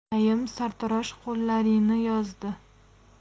naim sartarosh qo'llarini yozdi